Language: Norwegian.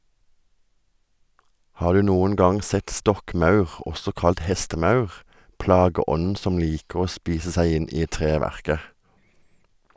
Har du noen gang sett stokkmaur, også kalt hestemaur, plageånden som liker å spise seg inn i treverket?